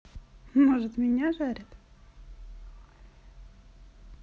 может меня жарят